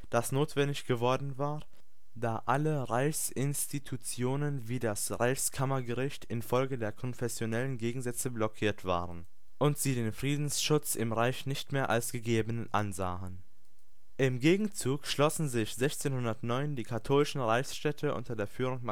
das notwendig geworden war, da alle Reichsinstitutionen wie das Reichskammergericht infolge der konfessionellen Gegensätze blockiert waren, und sie den Friedensschutz im Reich nicht mehr als gegeben ansahen. Im Gegenzug schlossen sich 1609 die katholischen Reichsstände unter der Führung Maximilians